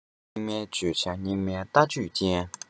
སྙིགས མའི བརྗོད བྱ སྙིགས མའི ལྟ སྤྱོད ཅན